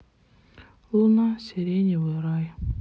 луна сиреневый рай